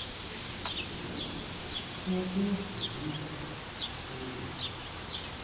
смотреть везуха серия